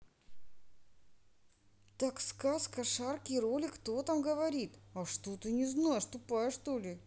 так сказка шарки ролик кто там говорит а что ты не знаешь тупая что ли